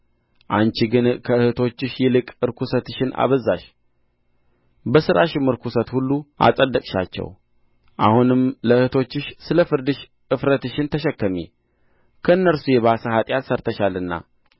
አንቺ ግን ከእኅቶችሽ ይልቅ ርኵሰትሽን አበዛሽ በሥራሽም ርኵሰት ሁሉ አጸደቅሻቸው አሁንም ለእኅቶችሽ ስለ ፈረድሽ እፍረትሽን ተሸከሚ ከእነርሱ የባሰ ኃጢአት ሠርተሻልና